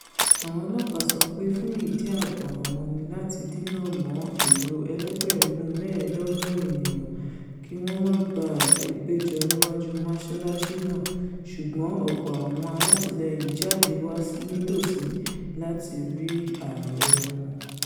Àwọn ọlọ́ọ̀pá sọ pé fún ìdí ààbò àwọn ni làti dínà mọ́ èrò ẹlẹ́gbẹ̀rún mẹ́ẹ̀ẹ́dọ́gbọ̀n ènìyàn kí wọ́n má baà leè péjò níwáju mọ́sálásí náà, ṣùgbọ́n ọ̀pọ̀ àwọn alátìlẹ́yìn jáde wa nítòsí láti rí ààrẹ wọn.